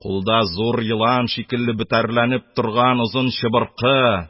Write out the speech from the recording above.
Кулда зур елан шикелле бөтәрләнеп торган озын чыбыркы